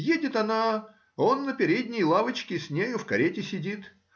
Едет она — он на передней лавочке с нею в карете сидит